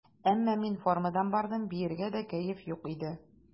Әмма мин формадан бардым, биергә дә кәеф юк иде.